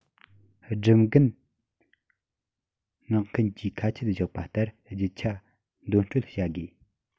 སྒྲུབ འགན མངགས མཁན གྱིས ཁ ཆད བཞག པ ལྟར རྒྱུ ཆ འདོན སྤྲོད བྱ དགོས